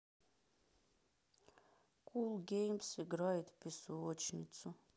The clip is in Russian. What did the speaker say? кул геймс играют в песочницу